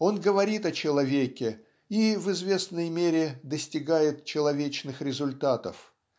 он говорит о человеке и в известной мере достигает человечных результатов.